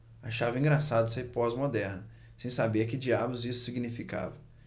achava engraçado ser pós-moderna sem saber que diabos isso significava